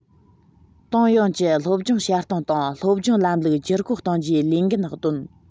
ཏང ཡོངས ཀྱི སློབ སྦྱོང བྱེད སྟངས དང སློབ སྦྱོང ལམ ལུགས བསྒྱུར བཀོད གཏོང རྒྱུའི ལས འགན བཏོན